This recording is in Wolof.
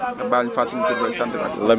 nga baal ñu fàttali ñu tur beeg sant bi